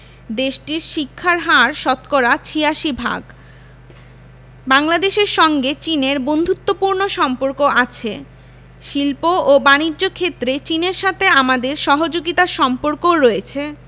দেশটির শিক্ষার হার শতকরা ৮৬ ভাগ বাংলাদেশের সঙ্গে চীনের বন্ধুত্বপূর্ণ সম্পর্ক আছে শিল্প ও বানিজ্য ক্ষেত্রে চীনের সাথে আমাদের সহযোগিতার সম্পর্কও রয়েছে